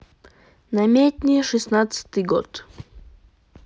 намедни шестидесятый год